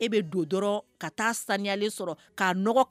E be don dɔrɔn ka taa siniyalen sɔrɔ, ka nɔgɔ ka